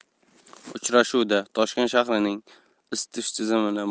uchrashuvda toshkent shahrining isitish tizimini